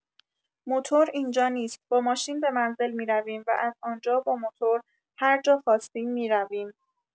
موتور اینجا نیست با ماشین به منزل می‌رویم و از آنجا با موتور هرجا خواستیم می‌رویم.